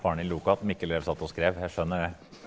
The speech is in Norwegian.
barn i Mikkel rev satt og skrev jeg skjønner det.